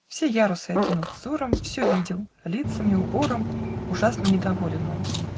Все ярусы окинул взором, Все видел: лицами, убором Ужасно недоволен он